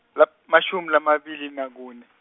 lab- mashumi lamabili nakune.